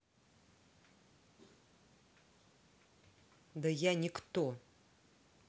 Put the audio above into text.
да я никто